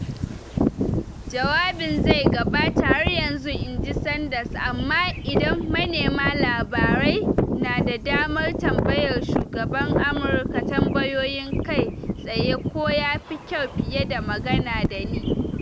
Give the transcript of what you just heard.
Jawabin zai gabata har yanzu, in ji Sanders, amma "idan manema labarai na da damar tambayar shugaban Amurka tambayoyin, kai tsaye toh yafi kyau fiye da magana da ni.